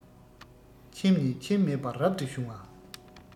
ཁྱིམ ནས ཁྱིམ མེད པར རབ ཏུ བྱུང བ